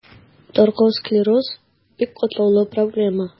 Таркау склероз – бик катлаулы проблема.